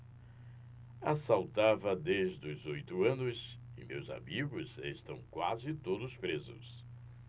assaltava desde os oito anos e meus amigos estão quase todos presos